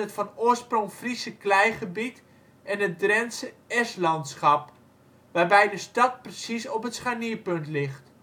van oorsprong Friese kleigebied en het Drentse eslandschap, waarbij de stad precies op het scharnierpunt ligt